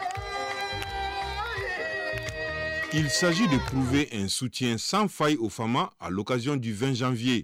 il s'agit de trouver un soutien aux FaMa sans faille à l'occasion du 20 janvier